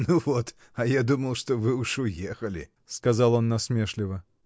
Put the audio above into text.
— Ну вот, а я думал, что вы уж уехали! — сказал он насмешливо.